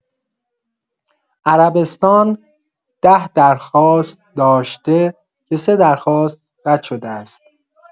عربستان ۱۰ درخواست داشته که سه درخواست رد شده است.